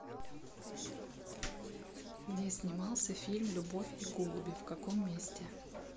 где снимался фильм любовь и голуби в каком месте